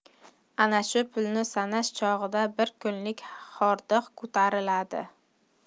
ana shu pulni sanash chog'ida bir kunlik hordiq ko'tariladi